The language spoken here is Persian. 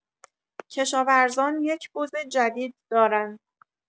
کشاورزان یک بز جدید دارند.